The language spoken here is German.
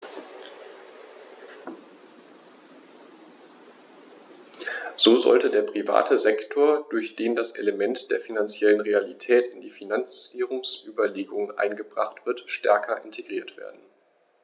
So sollte der private Sektor, durch den das Element der finanziellen Realität in die Finanzierungsüberlegungen eingebracht wird, stärker integriert werden.